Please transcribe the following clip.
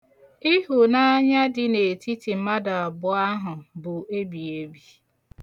Ihunanya dị n'etiti mmadụ abụọ ahụ bụ ebighiebi.